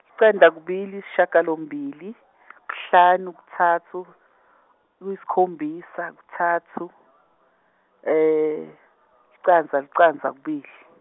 licandza kubili sishiyagalombili sihlanu kutsatfu, sikhombisa kutsatfu, licandza licandza kubili.